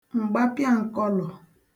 m̀gbapịankọlọ̀